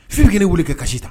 Fi kelen wuli kɛ kasisi ta